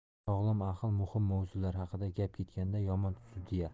sog'lom aql muhim mavzular haqida gap ketganda yomon sudya